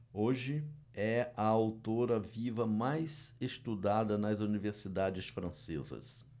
hoje é a autora viva mais estudada nas universidades francesas